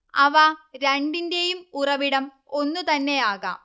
അവ രണ്ടിന്റേയും ഉറവിടം ഒന്നുതന്നെയാകാം